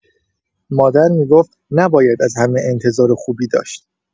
مادر می‌گفت نباید از همه انتظار خوبی داشت.